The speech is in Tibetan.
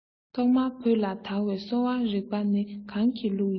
ཐོག མར བོད ལ དར བའི གསོ བ རིག པ ནི གང གི ལུགས ཡིན